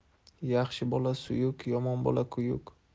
yaxshi bola suyuk yomon bola kuyuk